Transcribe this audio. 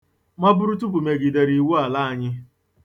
Maburutụpụ megidere iwu ala anyị.